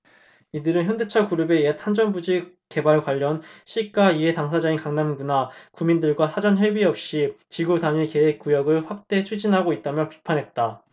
이들은 현대차그룹의 옛 한전부지 개발과 관련 시가 이해당사자인 강남구나 구민들과 사전협의없이 지구단위계획구역을 확대 추진하고 있다며 비판했다